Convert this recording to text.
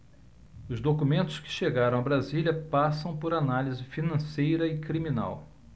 os documentos que chegaram a brasília passam por análise financeira e criminal